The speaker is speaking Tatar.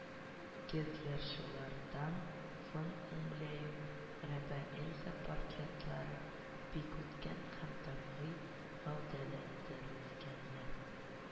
Гитлерчылардан фон Унгляуб, Грабэ, Эльза портретлары бик үткен һәм табигый гәүдәләндерелгәннәр